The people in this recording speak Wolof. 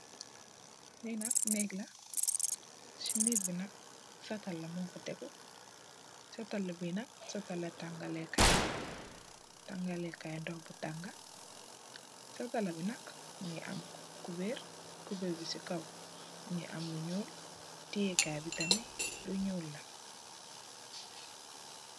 Li nak neeg la si neeg bi nak satala mofa tegu satala bi nak satala tangale kai la tangale kai ndox bu tanga satala bi nak mongi am cuberr cuberr bi si kaw mongi am lu nuul tiye kai bi tamit lu nuul la.